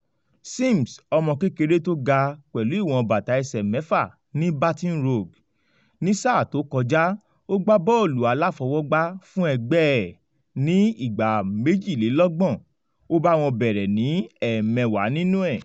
Sims, ọmọ kékeré tó ga pẹ̀lú ìwọ̀n bàtà ẹsẹ̀ méfà, ní Baton Rogue. Ní sáà tó kọjá, ó gbá bọ́ọ̀lu-aláfọwọ́gbá fún ẹgbẹ́ ẹ̀ ní ìgbà méjìlélọ́gbọ̀n (32). Ó bá wọn bẹ̀rẹ̀ ní ẹ̀mẹwàá nínú ẹ̀.